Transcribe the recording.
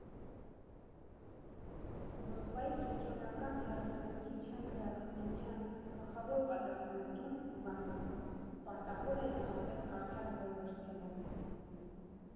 Մոսկվայի կենտրոնական հեռուստատեսության գրաքննության գլխավոր պատասխանատուն՝ Իվանովը, պարտավոր էր նախապես կարդալ բոլոր սցենարները։